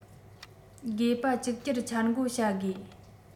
དགོས པ གཅིག གྱུར འཆར འགོད བྱ དགོས